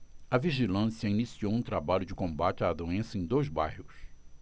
a vigilância iniciou um trabalho de combate à doença em dois bairros